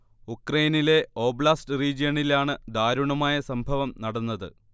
ഉക്രെയിനിലെ oblast റീജിയണിലാണ് ദാരുണമായ സംഭവം നടന്നത്